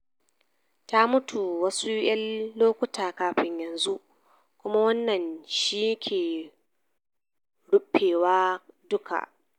Ta mutu wasu yan lokuta kafin yanzu kuma Wannan shi ke rufewa duka.